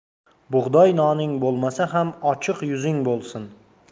bug'doy noning bo'lmasa ham ochiq yuzing bo'lsin